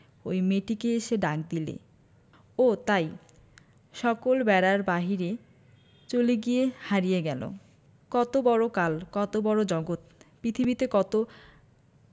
ঐ মেয়েটিকে এসে ডাক দিলে ও তাই সকল বেড়ার বাইরে চলে গিয়ে হারিয়ে গেল কত বড় কাল কত বড় জগত পৃথিবীতে কত